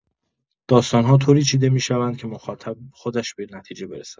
داستان‌ها طوری چیده می‌شوند که مخاطب خودش به نتیجه برسد.